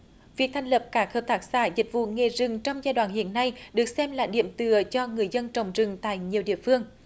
việc thành lập các hợp tác xã dịch vụ nghề rừng trong giai đoạn hiện nay được xem là điểm tựa cho người dân trồng rừng tại nhiều địa phương